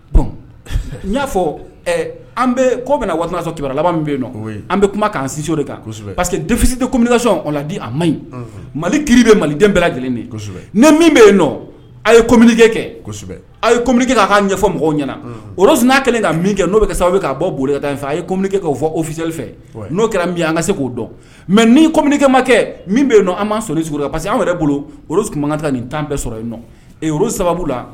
N'a an an kumakasɔn di a ma ɲi mali ki bɛ mali den bɛɛ lajɛlen ni min bɛ yen a ye komkɛ kɛsɛbɛ a ye komkɛ ka ka ɲɛfɔ mɔgɔw ɲɛna o sunjata n'a kɛlen ka min kɛ n'o bɛ ka sababu k'a bɔ boli ka taa fɛ a ye komkɛ' fɔ ofisali fɛ n'o kɛra min an ka se k'o dɔn mɛ ni komkɛ ma kɛ min bɛ an' so s pa parce que y' yɛrɛ bolo tun man ka nin tan bɛɛ sɔrɔ yen sababu la